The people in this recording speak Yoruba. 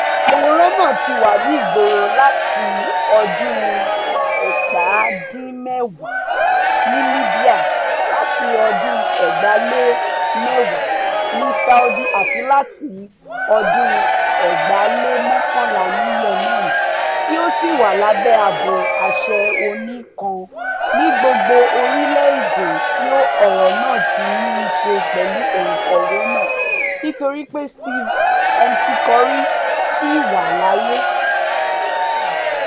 Àwòrán náà tí wà ní ìgboro láti 1991 ní Libya, láti 2010 ní Saudi, àti láti 2011 ní Yemen, tí ó sì wà lábẹ́ ààbò àṣẹ oní-nnkan ní gbogbo orílẹ̀ èdè tí ọ̀rọ̀ náà tí nii ṣe pẹ̀lú oǹkọ̀wé náà nítorí pé Steve McCurry ṣì wà láyé.